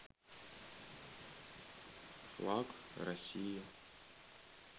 флаг россии